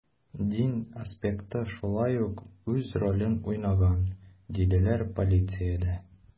Дин аспекты шулай ук үз ролен уйнаган, диделәр полициядә.